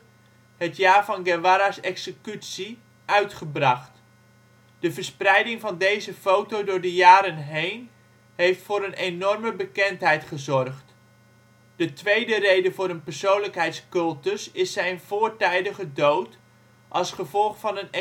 het jaar van Guevara 's executie, uitgebracht. De verspreiding van deze foto door de jaren heen heeft voor een enorme bekendheid gezorgd. De tweede reden voor de persoonlijkheidscultus is zijn voortijdige dood, als gevolg van een executie